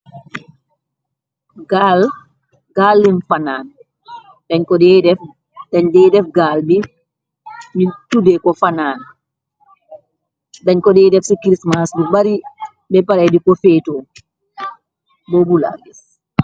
Gaal gaallin fanaan dan co dey def gaal bi bi nu tuddee ko fanaan dañ ko dee def ci khristmens du bari bepalay di ko feeto bobular gis.